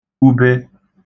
ube